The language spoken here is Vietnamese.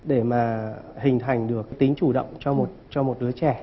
để mà hình thành được tính chủ động cho một cho một đứa trẻ